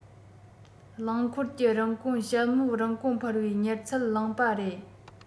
རླངས འཁོར གྱི རིན གོང དཔྱད མོལ རིན གོང འཕར བའི མྱུར ཚད གླེང པ རེད